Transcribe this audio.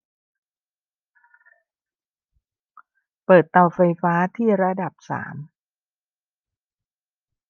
เปิดเตาไฟฟ้าที่ระดับสาม